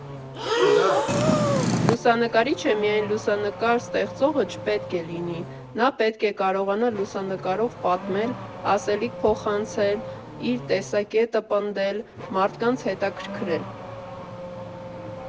Լուսանկարիչը միայն լուսանկար ստեղծողը չպետք է լինի, նա պետք է կարողանա լուսանկարով պատմել, ասելիք փոխանցել, իր տեսակետը պնդել, մարդկանց հետաքրքրել։